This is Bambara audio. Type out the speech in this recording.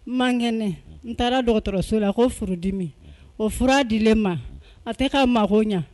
N mankɛnɛ, n taara dɔgɔtɔrɔso la, ko furudimi. O fura dilen n ma, a tɛ ka mako ɲɛ.